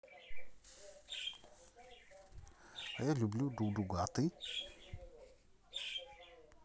а я люблю друг друга а ты